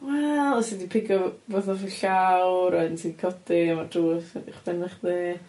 Wel os ti 'di pigo fatha wrth y llawr a edyn ti 'di codi a ma'r drws ar eich benna' chdi.